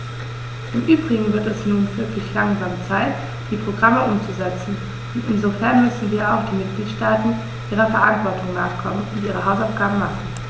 Im übrigen wird es nun wirklich langsam Zeit, die Programme umzusetzen, und insofern müssen auch die Mitgliedstaaten ihrer Verantwortung nachkommen und ihre Hausaufgaben machen.